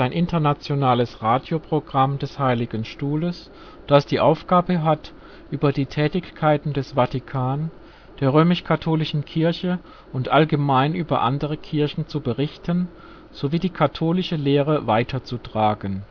internationales Radioprogramm des Heiligen Stuhles, das die Aufgabe hat, über die Tätigkeiten des Vatikans, der römisch-katholischen Kirche und allgemein über andere Kirchen zu berichten, sowie die katholische Lehre weiter zu tragen